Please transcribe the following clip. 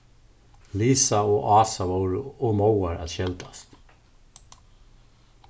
lisa og ása vóru ov móðar at skeldast